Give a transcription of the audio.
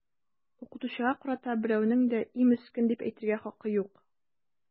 Укытучыга карата берәүнең дә “и, мескен” дип әйтергә хакы юк!